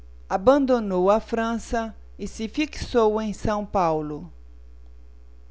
abandonou a frança e se fixou em são paulo